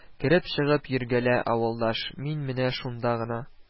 Кереп-чыгып йөргәлә, авылдаш, мин менә шунда гына